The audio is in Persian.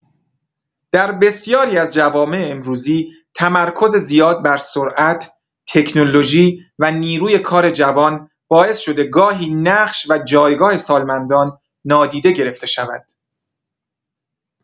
در بسیاری از جوامع امروزی تمرکز زیاد بر سرعت، تکنولوژی و نیروی کار جوان باعث شده گاهی نقش و جایگاه سالمندان نادیده گرفته شود.